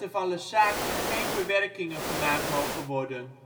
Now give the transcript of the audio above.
van Le Sacre geen bewerkingen gemaakt mogen worden